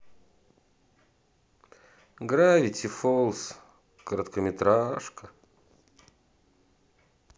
гравити фолз короткометражка